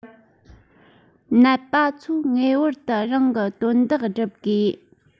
ནད པ ཚོས ངེས པར དུ རང གི དོན དག སྒྲུབ དགོས